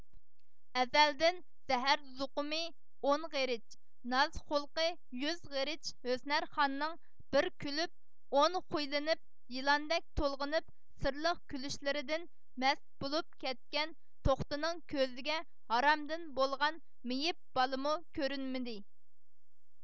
ئەزەلدىن زەھەر زوقۇمى ئون غېرىچ ناز خۇلقى يۈز غېرىچ ھۆسنارخاننىڭ بىر كۈلۈپ ئون خۇيلىنىپ يىلاندەك تولغىنىپ سىرلىق كۈلۈشلىرىدىن مەست بولۇپ كەتكەن توختىنىڭ كۆزىگە ھارامدىن بولغان مېيىپ بالىمۇ كۆرۈنمىدى